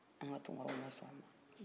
anw ka tounkaraw ma sɔn o ma